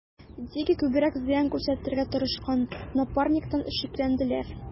Дикий күбрәк зыян күрсәтергә тырышкан Напарниктан шикләнделәр.